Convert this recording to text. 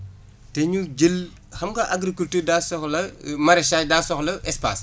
te ñu jël xam nga agriculture daa soxla maraîchage daa soxla espace